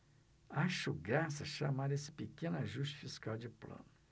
acho graça chamar esse pequeno ajuste fiscal de plano